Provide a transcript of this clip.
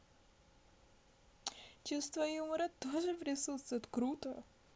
чувство юмора тоже присутствует круто